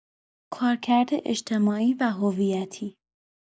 کارکرد اجتماعی و هویتی